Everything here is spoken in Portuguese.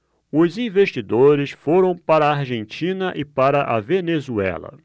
os investidores foram para a argentina e para a venezuela